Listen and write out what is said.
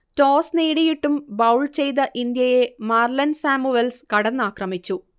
toss നേടിയിട്ടും bowl ചെയ്ത ഇന്ത്യയെ മാർലൺ സാമുവൽസ് കടന്നാക്രമിച്ചു